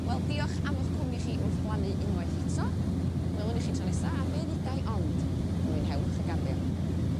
Wel diolch am 'ych cwmni chi wrth blannu unwaith eto welwn i chi tro nesa a be' ddedai ond mwynhewch y garddio.